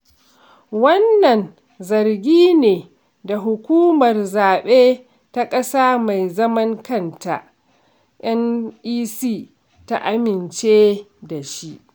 Wannan zargi ne da hukumar zaɓe ta ƙasa mai zaman kanta (INEC) ta amince da shi.